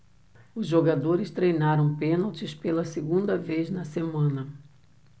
os jogadores treinaram pênaltis pela segunda vez na semana